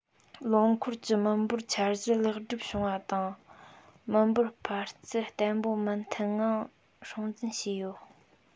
ལོ འཁོར གྱི མི འབོར འཆར གཞི ལེགས གྲུབ བྱུང བ དང མི འབོར འཕར ཚུལ བརྟན པོ མུ མཐུད ངང སྲུང འཛིན བྱས ཡོད